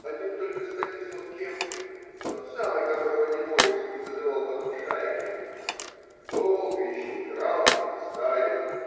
Один только Станислав Кемпнер (тот самый, которого Немоевский называл потом Шая Кемпнер) долго еще упирался и настаивал.